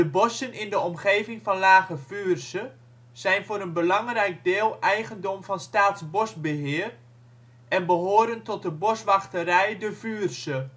bossen in de omgeving van Lage Vuursche zijn voor een belangrijk deel eigendom van Staatsbosbeheer en behoren tot de boswachterij De Vuursche